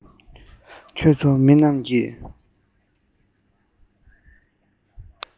ཁྱོད ཚོ མི རྣམས ཀྱིས